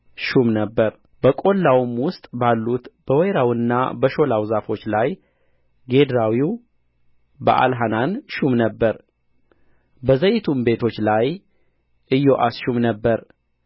ሹም ነበረ በቈላውም ውስጥ ባሉት በወይራውና በሾላው ዛፎች ላይ ጌድራዊው በአልሐናን ሹም ነበረ በዘይቱም ቤቶች ላይ ኢዮአስ ሹም ነበረ